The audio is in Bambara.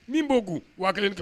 Min b'ou waa kelen ta